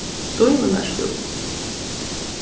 dímunar skúli